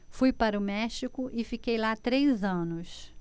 fui para o méxico e fiquei lá três anos